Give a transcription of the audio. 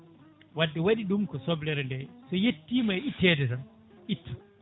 wadde waɗi ɗum ko soblere nde so yettimay ittede tan ittu